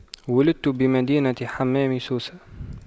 ولدت بمدينة حمام سوسة